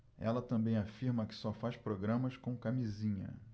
ela também afirma que só faz programas com camisinha